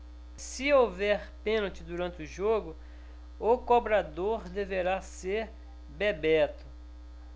se houver pênalti durante o jogo o cobrador deverá ser bebeto